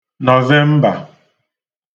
Nọ̀vembà